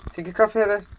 Ti'n cael coffi hefyd?